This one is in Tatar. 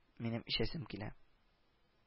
Минем эчәсем килә